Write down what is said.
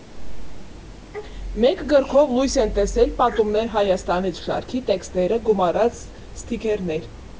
Մեկ գրքով լույս են տեսել «Պատումներ Հայաստանից» շարքի տեքստերը (գումարած սթիքերներ)։